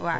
waaw